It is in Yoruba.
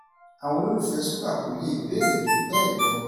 Àwọn olólùfẹ́ẹ Soca kò le è béèrè ju bẹ́hẹ̀ lọ.